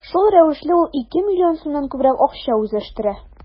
Шул рәвешле ул ике миллион сумнан күбрәк акча үзләштерә.